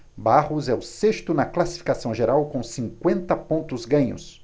barros é o sexto na classificação geral com cinquenta pontos ganhos